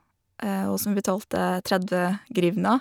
Og som vi betalte tredve hryvnja.